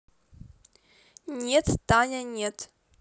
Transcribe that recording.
нет таня нет